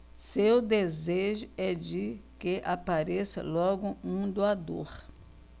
seu desejo é de que apareça logo um doador